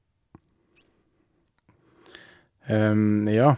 Nja.